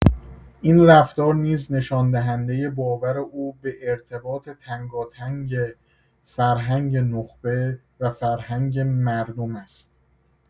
این رفتار نیز نشان‌دهنده باور او به ارتباط تنگاتنگ فرهنگ نخبه و فرهنگ مردم است.